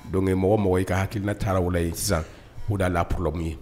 Donke mɔgɔ mɔgɔ i ka hakilikila taaraw la ye sisan'uda la purorolamu ye